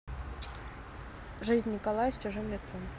жизнь николая с чужим лицом